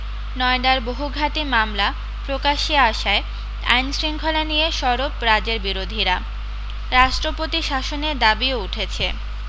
নয়ডার বহুঘাতী মামলা প্রকাশ্যে আসায় আইনশৃঙ্খলা নিয়ে সরব রাজ্যের বিরোধীরা রাষ্ট্রপতি শাসনের দাবিও উঠেছে